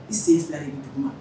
I sen fila de bɛ dugu ma.